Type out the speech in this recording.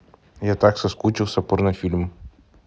я так соскучился порнофильм